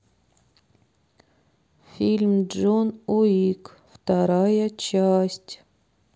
фильм джон уик вторая часть